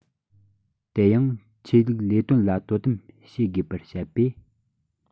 དེ ཡང ཆོས ལུགས ལས དོན ལ དོ དམ བྱེད དགོས པར བཤད པས